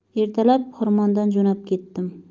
ertalab xirmondan jo'nab ketdim